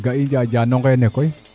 ga'i o njajano ngeene koy